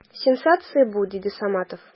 Сенсация бу! - диде Саматов.